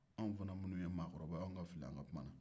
anw fana minnu ye maa kɔrɔbaw ye anw ka fili an ka kuma na